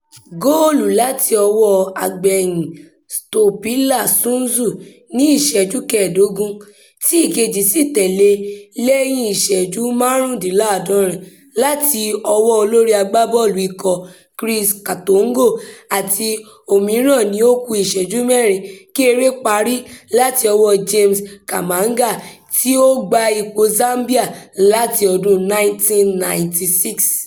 Góòlù láti ọwọ́ agbéyìn Stopilla Sunzu ni ìṣẹ́jú kẹẹ̀dógún, tí ìkejì sì tẹ̀lé e ní lẹ́yìn ìṣẹ́jú mẹ́rìndínláàdọ́rin láti ọwọ́ olorí agbábọ́ọ̀lù ikọ̀ Chris Katongo àti òmíràn ní ó kú ìṣẹ́jú mẹ́rin kí eré parí láti ọwọ́ James Chamanga, tí ó gba ipò Zambia láti ọdún 1996.